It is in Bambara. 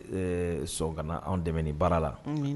So ka anw dɛmɛ ni baara la